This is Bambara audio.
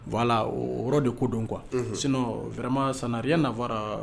O yɔrɔ de ko don kuwa sino fɛrɛma sanreya nara